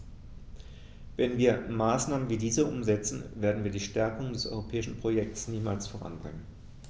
Wenn wir Maßnahmen wie diese umsetzen, werden wir die Stärkung des europäischen Projekts niemals voranbringen.